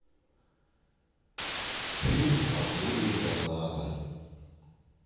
фильм акулий торнадо